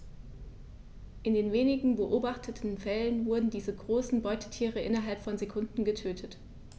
In den wenigen beobachteten Fällen wurden diese großen Beutetiere innerhalb von Sekunden getötet.